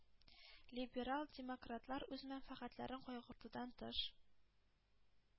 Либерал-демократлар үз мәнфәгатьләрен кайгыртудан тыш,